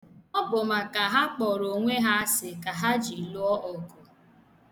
Ọ bụ maka ha kpọrọ onwe ya asị ka ha ji lụọ ọgụ.